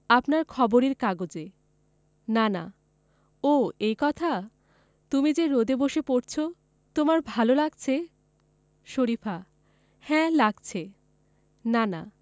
আপনার খবরের কাগজে নানা ও এই কথা এই যে তুমি রোদে বসে পড়ছ তোমার ভালো লাগছে শরিফা হ্যাঁ লাগছে নানা